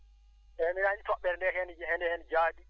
eeyi mi nanii toɓɓere ndee heen hende heen jaabi